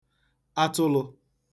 atụlụ̄